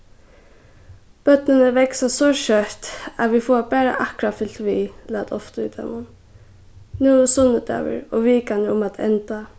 børnini vaksa so skjótt at vit fáa bara akkurát fylgt við læt ofta í teimum nú er sunnudagur og vikan er um at enda